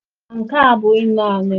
Ma nke a abụghị naanị m.